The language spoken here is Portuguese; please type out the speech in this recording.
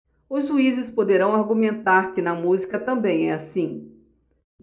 os juízes poderão argumentar que na música também é assim